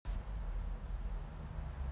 массам and escape